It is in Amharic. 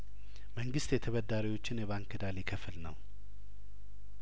መንግስት የተበዳሪዎችን የባንክ እዳ ሊከፍል ነው